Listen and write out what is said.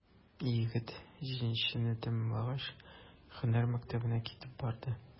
Егет, җиденчене тәмамлагач, һөнәр мәктәбенә китеп барды.